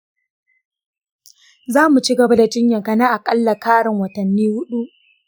za mu ci gaba da jinyarka na akalla karin watanni huɗu.